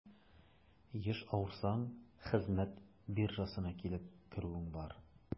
Еш авырсаң, хезмәт биржасына килеп керүең бар.